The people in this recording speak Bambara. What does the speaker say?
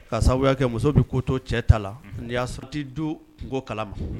K'a saabuya kɛ muso bi ko to cɛ ta la n'i y'a srti duu go kalama